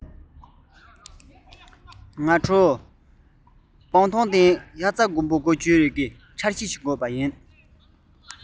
ཞོགས པའི ཉི འོད ཀྱིས མྱོས པའི སྤང ཐང དབྱར རྩྭ དགུན འབུ བཙལ བ ལ འཆར གཞི བཀོད